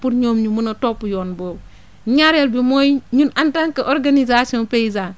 pour ñoom ñu mën a topp yoon boobu ñaareel bi mooy ñun en tant que organisation paysane